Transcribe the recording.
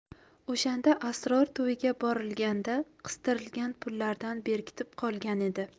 o'shanda asror to'yga borilganda qistirilgan pullardan berkitib qolgan edi